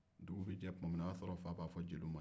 dugu bɛ jɛ tuma min o y'a sɔrɔ fa b'a fɔ jeliw ma